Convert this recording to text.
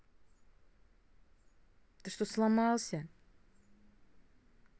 ты что сломался